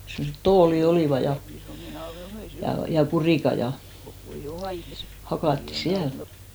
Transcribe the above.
semmoiset tuolit olivat ja ja kurikat ja hakattiin siellä